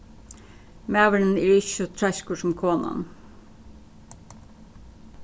maðurin er ikki so treiskur sum konan